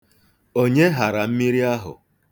Onye hara mmiri ahụ?